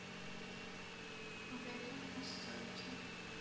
уверенный настройки